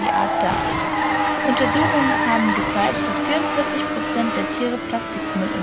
Art dar. Untersuchungen haben gezeigt, dass 44 Prozent der Tiere Plastikmüll